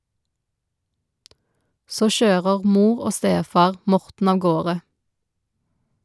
Så kjører mor og stefar Morten av gårde.